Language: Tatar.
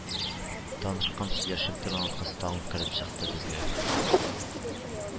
Танышкан, сөйләшеп торган кыз тагын кереп чыкты безгә